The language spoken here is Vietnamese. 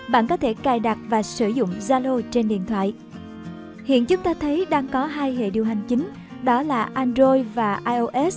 bạn có thể cài đặt và sử dụng zalo trên điện thoại hiện chúng ta thấy đang có hệ điều hành chính đó là android và ios